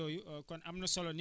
waaw mooy stockage